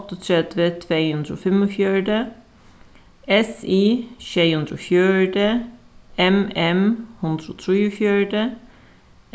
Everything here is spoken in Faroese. áttaogtretivu tvey hundrað og fimmogfjøruti s i sjey hundrað og fjøruti m m hundrað og trýogfjøruti